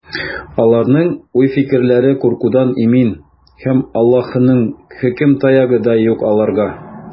Аларның уй-фикерләре куркудан имин, һәм Аллаһының хөкем таягы да юк аларга.